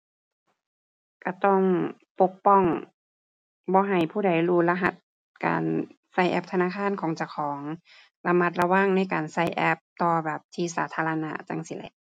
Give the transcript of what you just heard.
ก็ต้องปกป้องบ่ให้ผู้ใดรู้รหัสการก็แอปธนาคารของเจ้าของ ระมัดระวังในการก็แอปต่อแบบที่สาธารณะจั่งซี้แหละ